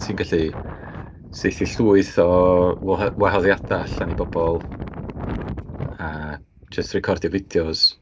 Ti'n gallu saethu llwyth o waho- wahoddiadau allan i bobl, a jyst recordio fideos.